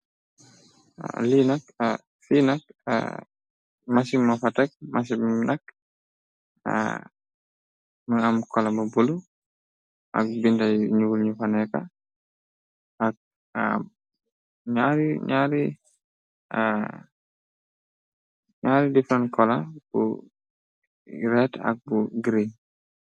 Fi nak mashino fatek mashin bi nak mungi am kola bu bulo ak binda yu ñuul yufa neeka ak ñyaari diffrent kola bu ret ak am bu green.